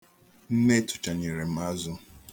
Nne tụchanyere m azụ.